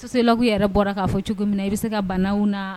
Sociologue yɛrɛ bɔra k'a fɔ cogo min na i be se ka banaw n'a